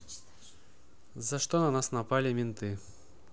за что на нас напали менты